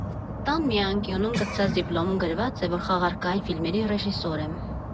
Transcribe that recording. Տան մի անկյունում գցած դիպլոմում գրված է, որ խաղարկային ֆիլմերի ռեժիսոր եմ։